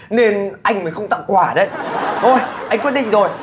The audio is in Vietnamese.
nên anh mới không tặng quà đấy thôi anh quyết định rồi